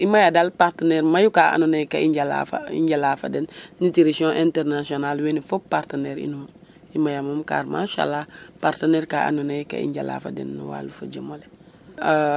I maya UNICEF i maya daal partenaire ka andoona ye ga i njalaa fa den ga i njala fo den nutrition international wene fop partenaire ino i maya moom kar masala parteneire ka andoona ye ka i njala fo den no walu fo jem ole .